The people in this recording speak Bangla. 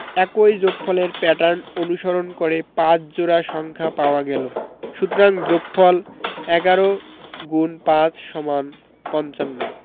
একই যোগফলের প্যাটার্ন অনুসরণ করে ৫ জোড়া সংখ্যা পাওয়া গেল সুতরাং যোগফল ১১x৫=৫৫